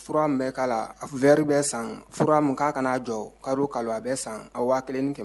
Fura an bɛɛ' laɛ bɛ san fura min k kana kana'a jɔ ka kali a bɛ san a waa kelen kɛmɛ